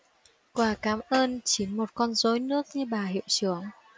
quà cám ơn chỉ một con rối nước như bà hiệu trưởng